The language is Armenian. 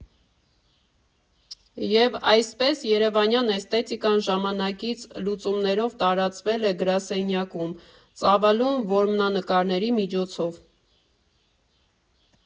Եվ այսպես, երևանյան էսթետիկան ժամանակակից լուծումներով տարածվել է գրասենյակում՝ ծավալուն որմնանկարների միջոցով.